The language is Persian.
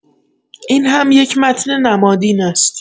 این هم یک متن نمادین است.